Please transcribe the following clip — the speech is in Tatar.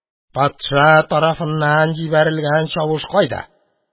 Патша тарафыннан җибәрелгән чавыш кайда?